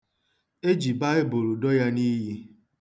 E ji Baịbụl do ya n'iyi.